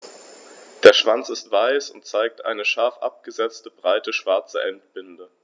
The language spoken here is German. Der Schwanz ist weiß und zeigt eine scharf abgesetzte, breite schwarze Endbinde.